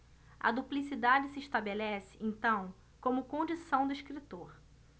a duplicidade se estabelece então como condição do escritor